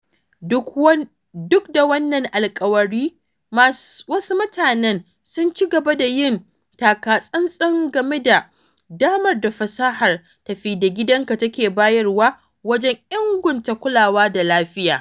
Duk da wannan alƙawari, wasu mutanen sun ci gaba da yin takatsantsan game da damar da fasahar tafi da gidanka take bayarwa wajen inganta kulawa da lafiya.